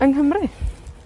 Yng Nghymru.